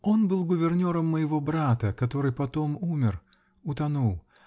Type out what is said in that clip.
Он был гувернером моего брата, который потом умер. утонул.